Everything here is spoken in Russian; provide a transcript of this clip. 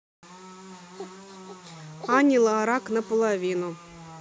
ани лорак наполовину